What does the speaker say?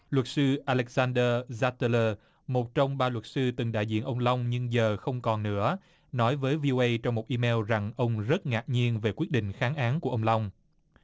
luật sư a lếch săn đơ da tơ lơ một trong ba luật sư từng đại diện ông long nhưng giờ không còn nữa nói với vi ô uây trong một i meo rằng ông rất ngạc nhiên về quyết định kháng án của ông long